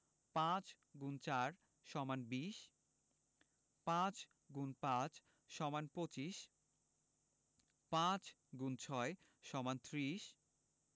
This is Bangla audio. ৫× ৪ = ২০ ৫× ৫ = ২৫ ৫x ৬ = ৩০